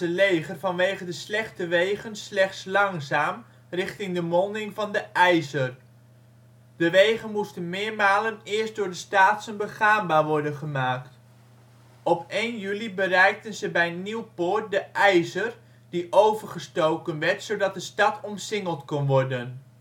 leger vanwege de slechte wegen slechts langzaam richting de monding van de IJzer. De wegen moesten meermalen eerst door de Staatsen begaanbaar worden gemaakt. Op 1 juli bereikten ze bij Nieuwpoort de IJzer, die overgestoken werd zodat de stad omsingeld kon worden